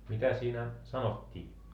mitä siinä sanottiin